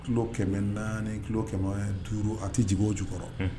Kilo kɛmɛ naani tulolokɛ duuru a tɛ nci jukɔrɔ